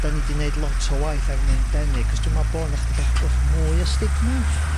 ...'dan ni 'di neud lot o waith er mwyn denu, 'c'os me'wl bo' 'na cyhydi bach 'w'rach mwy o stigma?